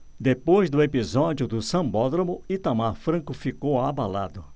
depois do episódio do sambódromo itamar franco ficou abalado